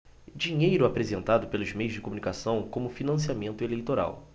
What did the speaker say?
dinheiro apresentado pelos meios de comunicação como financiamento eleitoral